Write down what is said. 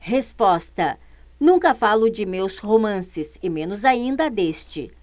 resposta nunca falo de meus romances e menos ainda deste